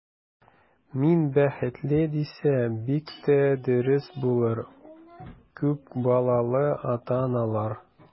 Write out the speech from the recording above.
Мин бәхетле, дисә, бик тә дөрес булыр, күп балалы ата-аналар.